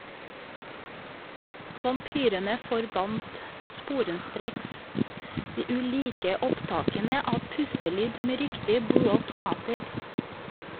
Vampyrene forbant sporenstreks de ulike opptakene av pustelyd med riktige blodautomater.